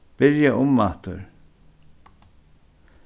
byrja umaftur